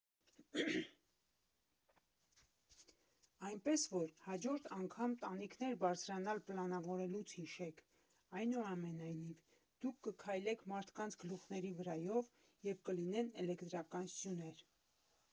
Այնպես որ հաջորդ անգամ տանիքներ բարձրանալ պլանավորելուց հիշեք, այնուամենայնիվ, դուք կքայլեք մարդկանց գլուխների վրայով և կլինեն էլեկտրական սյուներ։